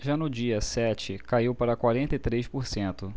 já no dia sete caiu para quarenta e três por cento